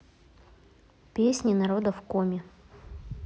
песни народов коми